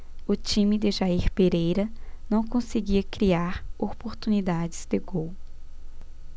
o time de jair pereira não conseguia criar oportunidades de gol